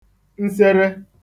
nsere